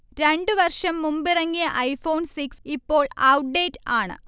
രണ്ടു വർഷം മുമ്പിറങ്ങിയ ഐഫോൺ സിക്സ് ഇപ്പോൾ ഔട്ട്ഡേറ്റ് ആണ്